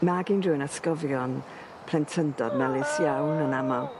Ma' gin rywun atgofion plentyndod melys iawn yn amal.